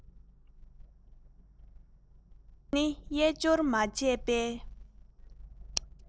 དེ ནི གཡོས སྦྱོར མ བྱས པའི